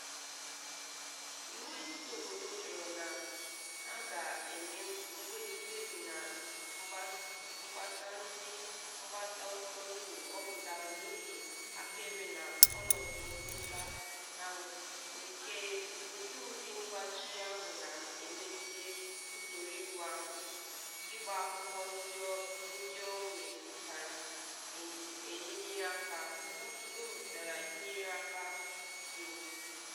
“Iwu etiti obodo chọrọ na a ga-eme mkpebi na mkpesa ndị mgbata ọsọ ndụ ọ bụla n’ihe akaebe na ọnọdụ mkpesa ahụ, nke n’ụdị mgbachi ahụ na-emegide usoro iwu ahụ, “ịgba akwụkwọ ndị ọ metụtara inyere aka” kwuru.